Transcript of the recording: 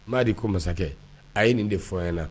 N'a de ko masakɛ a ye nin de fɔ na